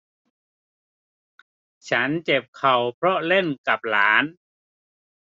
ฉันเจ็บเข่าเพราะเล่นกับหลาน